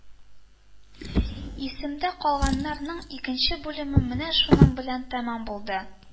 «исемдә калганнар»ның икенче бүлеме менә шуның белән тәмам булды